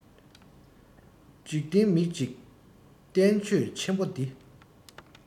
འཇིག རྟེན མིག གཅིག བསྟན བཅོས ཆེན པོ འདི